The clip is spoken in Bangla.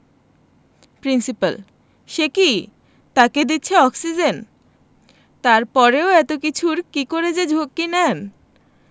প্রিন্সিপাল সে কি তাকে দিচ্ছে অক্সিজেন তারপরেও এত কিছুর কি করে যে ঝক্কি নেন